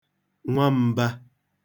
nwam̄bā